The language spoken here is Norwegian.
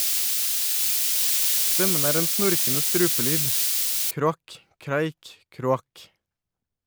Stemmen er en snorkende strupelyd, kroak- kraik- kroak.